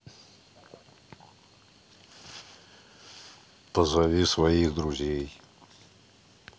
позови своих друзей